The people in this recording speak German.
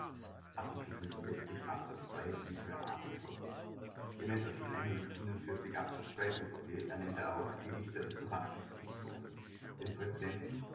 65 Abs 2 lit a B-VG). Gemäß Art. 147 Abs 2 B-VG ernennt er auch die Richter des Verfassungsgerichtshofes. Den Präsidenten